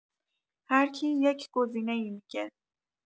هر کی یک گزینه‌ای می‌گه